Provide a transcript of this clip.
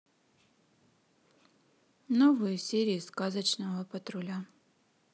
новые серии сказочного патруля